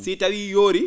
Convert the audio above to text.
si tawii yoorii